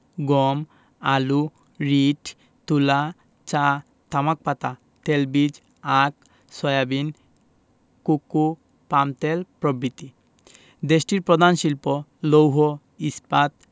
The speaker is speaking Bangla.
গম আলু রীট তুলা চা তামাক পাতা তেলবীজ আখ সয়াবিন কোকো পামতেল প্রভৃতি দেশটির প্রধান শিল্প লৌহ ইস্পাত